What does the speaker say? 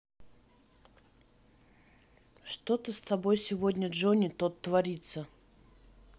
что то с тобой сегодня джони тот творится